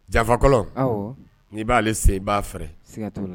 Jafakɔ n'i b'aale i b'a fɛ